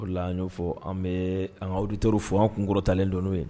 O an y'o fɔ an bɛ anrudir fɔ an kuntalen don n'o ye